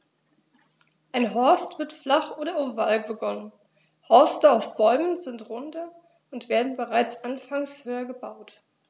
Ein Horst wird flach und oval begonnen, Horste auf Bäumen sind runder und werden bereits anfangs höher gebaut.